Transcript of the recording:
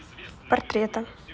портрета